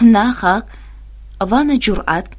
na haq va na jur'at